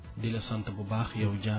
di la sant bu baax yow Dia